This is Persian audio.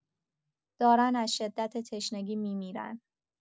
دارن از شدت تشنگی میمیرن